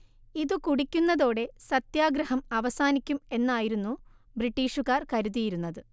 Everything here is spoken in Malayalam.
ഇതു കുടിക്കുന്നതോടെ സത്യാഗ്രഹം അവസാനിക്കും എന്നായിരുന്നു ബ്രിട്ടീഷുകാർ കരുതിയിരുന്നത്